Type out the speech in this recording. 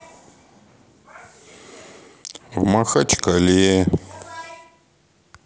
в махачкале